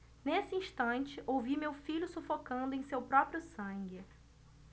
nesse instante ouvi meu filho sufocando em seu próprio sangue